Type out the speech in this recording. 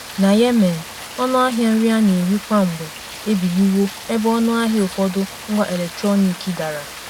Na Yemen, ọnụ ahịa nri a na-eri kwa mgbe ebiliwo ebe ọnụ ahịa ụfọdụ ngwa eletrọnịkị dara.